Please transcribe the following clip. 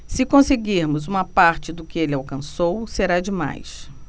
se conseguirmos uma parte do que ele alcançou será demais